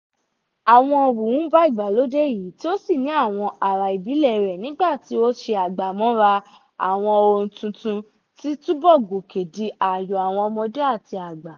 Àwọn Rhumba ìgbàlódé yìí tí ó sì ní àwọn ará ìbílẹ̀ rẹ̀ nígbàtí ó tún ṣe àgbàmọ́ra àwọn ohùn tuntun tí túbọ̀ gòkè di ààyò àwọn ọmọdé àti àgbà.